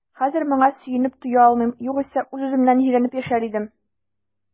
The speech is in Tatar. Хәзер моңа сөенеп туя алмыйм, югыйсә үз-үземнән җирәнеп яшәр идем.